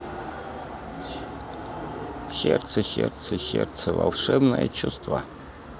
сердце сердце сердце волшебное чудо